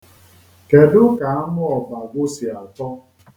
Kedu ka anụ ọbọgwụ si atọ?